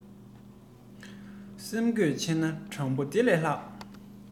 སེམས གོས ཆོད ན སྤྲང པོ དེ ལས ལྷག